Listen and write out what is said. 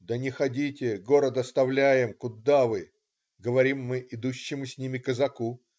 - "Да не ходите, город оставляем, куда вы?" - говорим мы идущему с ними казаку.